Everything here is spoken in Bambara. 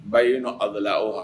Ba ye nɔn aw la aw wa